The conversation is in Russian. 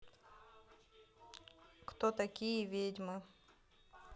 кто такие ведьмы